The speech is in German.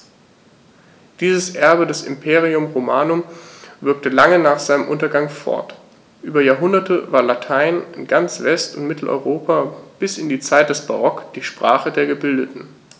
Dieses Erbe des Imperium Romanum wirkte lange nach seinem Untergang fort: Über Jahrhunderte war Latein in ganz West- und Mitteleuropa bis in die Zeit des Barock die Sprache der Gebildeten.